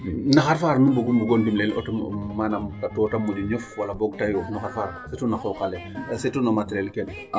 No xar fo xar nu mbugu ndimele'el manaam to ta moƴo ñof wala boog ta yooɓ na xa far surtout a qoqale surtout no materiel keene?